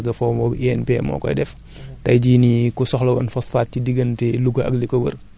mais nag ci INP la koy jaarale li ci ëpp ci phosphatage de fonds boobu INP moo koy def